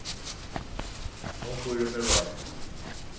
hon býr í miðvági